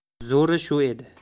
zo'ri shu edi